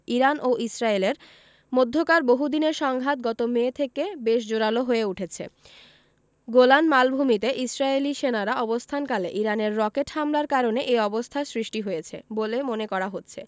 Iran ও ইসরায়েলের মধ্যকার বহুদিনের সংঘাত গত মে থেকে বেশ জোরালো হয়ে উঠেছে গোলান মালভূমিতে ইসরায়েলি সেনারা অবস্থানকালে ইরানের রকেট হামলার কারণে এ অবস্থার সৃষ্টি হয়েছে বলে মনে করা হচ্ছে